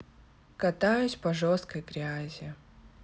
катаюсь по жесткой грязи